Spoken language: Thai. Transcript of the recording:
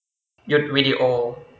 หยุดวีดีโอ